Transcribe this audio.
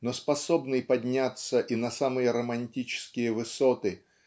но способный подняться и на самые романтические высоты